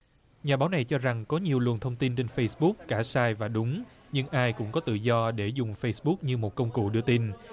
nhà báo này cho rằng có nhiều luồng thông tin trên phây búc cả sai và đúng nhưng ai cũng có tự do để dùng phây búc như một công cụ đưa tin